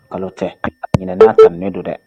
Kalo tɛ ɲinɛna'a ka don dɛ